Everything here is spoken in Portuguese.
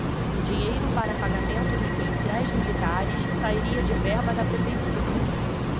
o dinheiro para pagamento dos policiais militares sairia de verba da prefeitura